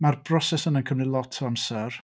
Ma'r ia mae'r broses yna'n cymryd lot o amser.